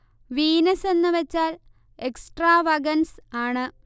Venus എന്ന് വച്ചാൽ extravagance ആണ്